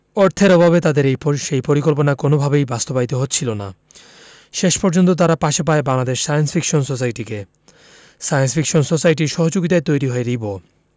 অর্থের অভাবে তাদের সেই পরিকল্পনা কোনওভাবেই বাস্তবায়িত হচ্ছিল না শেষ পর্যন্ত তারা পাশে পায় বাংলাদেশ সায়েন্স ফিকশন সোসাইটিকে সায়েন্স ফিকশন সোসাইটির সহযোগিতায়ই তৈরি হয় রিবো